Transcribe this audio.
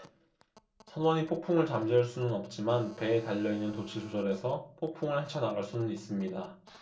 선원이 폭풍을 잠재울 수는 없지만 배에 달려 있는 돛을 조절해서 폭풍을 헤쳐 나갈 수는 있습니다